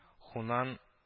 Хунань